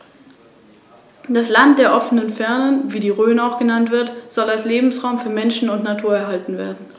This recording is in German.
Landkreise, Kommunen, Vereine, Verbände, Fachbehörden, die Privatwirtschaft und die Verbraucher sollen hierzu ihren bestmöglichen Beitrag leisten.